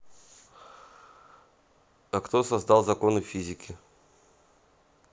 а кто создал законы в физике